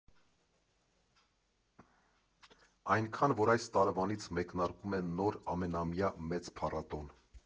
Այնքան, որ այս տարվանից մեկնարկում է նոր՝ ամենամյա մեծ փառատոն։